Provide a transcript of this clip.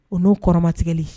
O n'o kɔrɔmatɛli